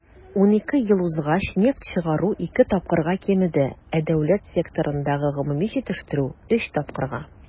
12 ел узгач нефть чыгару ике тапкырга кимеде, ә дәүләт секторындагы гомуми җитештерү - өч тапкырга.